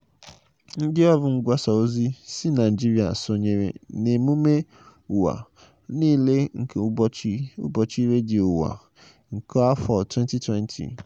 Ndị ọrụ mgbasa ozi si Naịjirịa sonyere n'emume ụwa niile nke ụbọchị redio ụwa nke afọ 2020